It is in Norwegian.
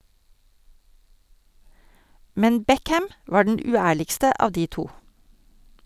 Men Beckham var den uærligste av de to.